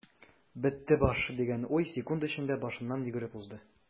"бетте баш” дигән уй секунд эчендә башыннан йөгереп узды.